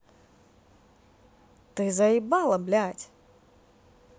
ты заебала блядь